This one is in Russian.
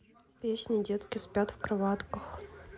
песня детки спят в кроватках